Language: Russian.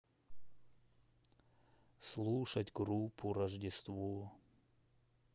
слушать группу рождество